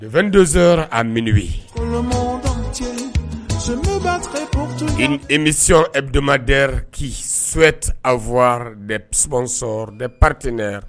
2 donso a minnu misisidd k soti a fɔwa dɛ sɔrɔ dɛ pate